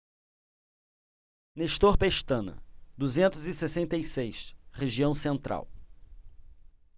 nestor pestana duzentos e sessenta e seis região central